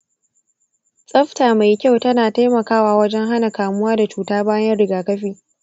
tsafta mai kyau tana taimakawa wajen hana kamuwa da cuta bayan rigakafi.